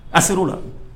A ser'o la